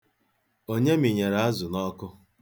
Onye mịnyere azụ n'ọkụ?